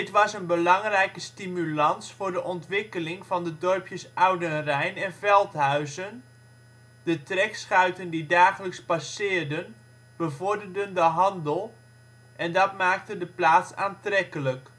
was een belangrijke stimulans voor de ontwikkeling van de dorpjes Oudenrijn en Veldhuizen: de trekschuiten, die dagelijks passeerden, bevorderden de handel en dat maakte de plaats aantrekkelijk